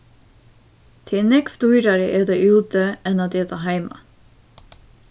tað er nógv dýrari at eta úti enn at eta heima